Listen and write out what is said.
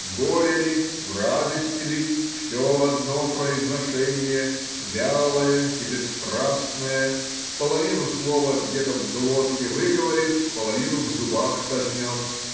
в горе ли, в радости ли — все одно произношение, вялое и бесстрастное,— половину слова где-то в глотке выговорит, половину в зубах сожмет.